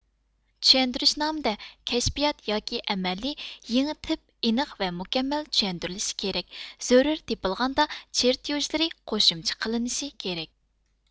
چۈشەندۈرۈشنامىدا كەشپىيات ياكى ئەمەلىي يېڭى تىپ ئېنىق ۋە مۇكەممەل چۈشەندۈرۈلۈشى كېرەك زۆرۈرتېپىلغاندا چېرتيۇژلىرى قوشۇمچە قىلىنىشى كېرەك